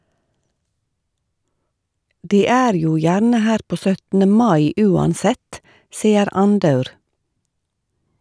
De er jo gjerne her på 17. mai uansett, sier Andaur.